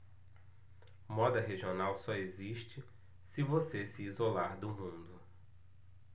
moda regional só existe se você se isolar do mundo